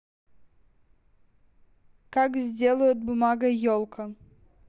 как сделают бумагой елка